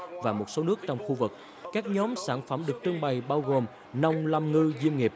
và một số nước trong khu vực các nhóm sản phẩm được trưng bày bao gồm nông lâm ngư diêm nghiệp